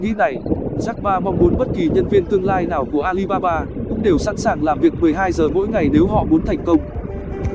với suy nghĩ này jack ma mong muốn bất kỳ nhân viên tương lai nào của alibaba cũng đều sẵn sàng làm việc giờ ngày nếu họ muốn thành công